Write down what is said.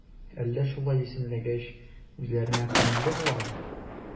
Әллә шулай исемләгәч, үзләренә күңелле буламы?